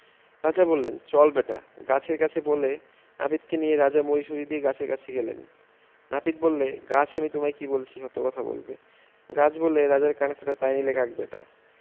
রাজা বললেনচল ব্যাটা গাছের কাছে বলে নাপিতকে নিয়ে রাজা মুড়িসুড়ি দিয়ে গাছের কাছে গেলেন নাপিত বললে গাছ আমি তোমায় কী বলেছি সত্য কথা বলবে গাছ বললে ‘রাজার কান কাটা তাই নিলে কাক ব্যাটা